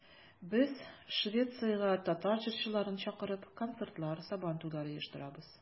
Без, Швециягә татар җырчыларын чакырып, концертлар, Сабантуйлар оештырабыз.